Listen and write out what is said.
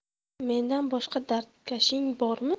mendan boshqa dardkashing bormi